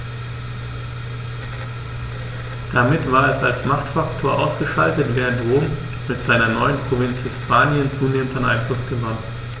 Damit war es als Machtfaktor ausgeschaltet, während Rom mit seiner neuen Provinz Hispanien zunehmend an Einfluss gewann.